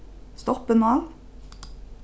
stoppinál